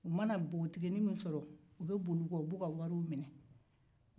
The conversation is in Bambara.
u mana npogotiginin min sɔrɔ u boli o kɔ k'o ka wari minɛ